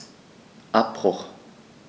Abbruch.